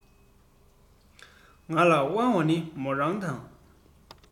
ང ལ དབང བ ནི མོ རང དང